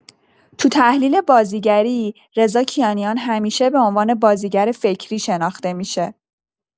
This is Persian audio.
تو تحلیل بازیگری، رضا کیانیان همیشه به عنوان بازیگر فکری شناخته می‌شه.